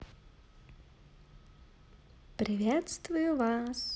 приветствую вас